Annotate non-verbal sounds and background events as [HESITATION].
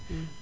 [HESITATION]